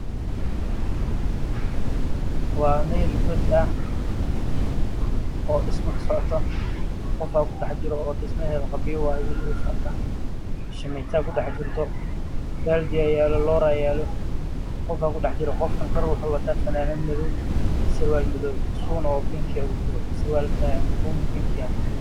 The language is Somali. Waa meel god ah oo dhismo ku socdo qof baa ku dhaxjiro